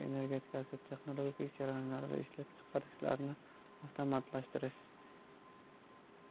energetikasi texnologik jarayonlar va ishlab chiqarishlarni avtomatlashtirish